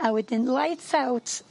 A wedyn lights out